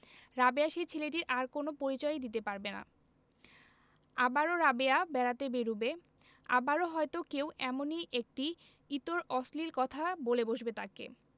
রাবেয়া সেই ছেলেটির আর কোন পরিচয়ই দিতে পারবে না আবারও রাবেয়া বেড়াতে বেরুবে আবারো হয়তো কেউ এমনি একটি ইতর অশ্লীল কথা বলে বসবে তাকে